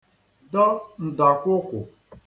dọ ǹdàkwụkwụ̀